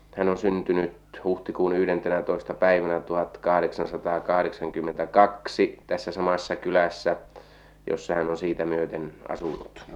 hän on syntynyt huhtikuun yhdentenätoista päivänä tuhatkahdeksansataakahdeksankymmentäkaksi tässä samassa kylässä jossa hän on siitä myöten asunut